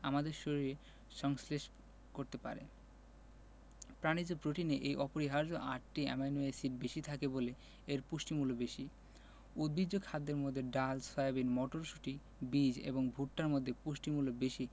আমাদের শরীর সংশ্লেষ করতে পারে প্রাণিজ প্রোটিনে এই অপরিহার্য আটটি অ্যামাইনো এসিড বেশি থাকে বলে এর পুষ্টিমূল্য বেশি উদ্ভিজ্জ খাদ্যের মধ্যে ডাল সয়াবিন মটরশুটি বীজ এবং ভুট্টার মধ্যে পুষ্টিমূল্য বেশি